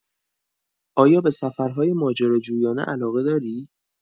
آیا به سفرهای ماجراجویانه علاقه داری؟